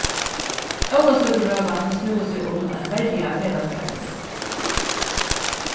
ólavsøkurøðan snúði seg um at verja felagsskapin